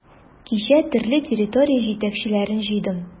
Кичә төрле территория җитәкчеләрен җыйдым.